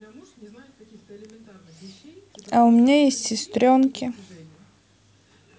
а у меня есть сестренки